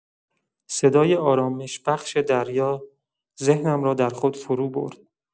صدای آرامش‌بخش دریا، ذهنم را در خود فروبرد.